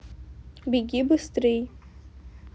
беги быстрей